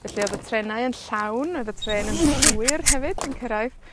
Felly odd y trenau yn llawn. Oedd y trên yn hwyr hefyd yn cyrraedd.